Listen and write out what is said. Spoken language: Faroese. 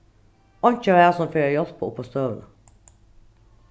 einki av hasum fer at hjálpa upp á støðuna